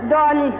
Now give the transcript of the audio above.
dɔɔnin